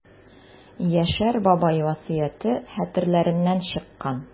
Яшәр бабай васыяте хәтерләреннән чыккан.